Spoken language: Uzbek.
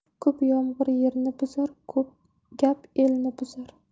ko'p yomg'ir yerni buzar ko'p gap elni buzar